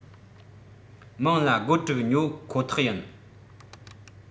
མང ལ སྒོར དྲུག ཉོ ཁོ ཐག ཡིན